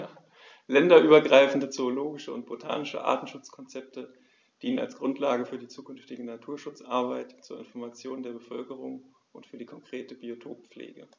Länderübergreifende zoologische und botanische Artenschutzkonzepte dienen als Grundlage für die zukünftige Naturschutzarbeit, zur Information der Bevölkerung und für die konkrete Biotoppflege.